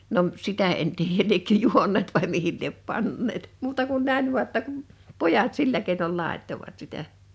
no sitä en tiedä lieneekö juoneet vai mihin lie panneet muuta kuin näin vain jotta kun pojat sillä keinoin laittoivat sitä